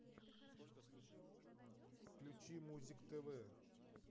включи музик тв